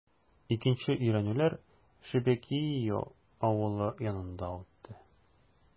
Икенче өйрәнүләр Шебекиио авылы янында үтте.